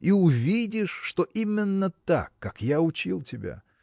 и увидишь, что именно так, как я учил тебя.